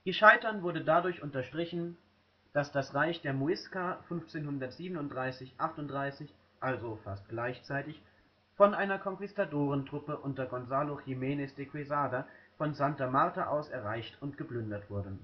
Scheitern wurde dadurch unterstrichen, dass das Reich der Muisca 1537/38 – also fast gleichzeitig – von einer Konquistadorentruppe unter Gonzalo Jiménez de Quesada von Santa Marta aus erreicht und geplündert wurde